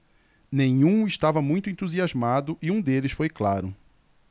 nenhum estava muito entusiasmado e um deles foi claro